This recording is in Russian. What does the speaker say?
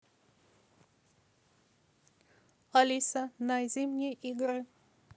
алиса найди мне игры